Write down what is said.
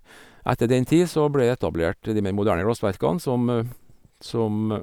Etter den tid så ble det etablert de mer moderne glassverkene, som som...